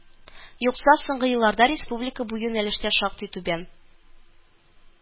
Юкса, соңгы елларда республика бу юнәлештә шактый түбән